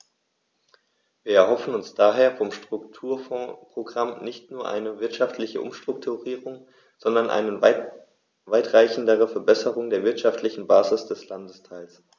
Wir erhoffen uns daher vom Strukturfondsprogramm nicht nur eine wirtschaftliche Umstrukturierung, sondern eine weitreichendere Verbesserung der wirtschaftlichen Basis des Landesteils.